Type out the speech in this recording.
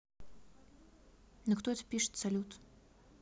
ну кто это пишет салют